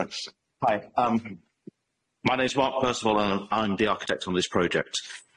Reit, hi, yym my name's Mark Personal and I'm the architect on this project.